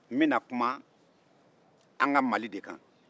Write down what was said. n bɛna kuma an ka mali de kan